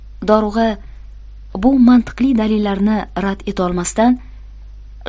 dorug'a bu mantiqli dalillarni rad etolmasdan